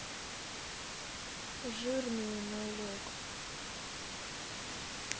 жирные налог